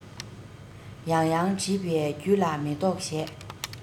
ཡང ཡང འདྲིས པས རྒྱུད ལ མེ ཏོག བཞད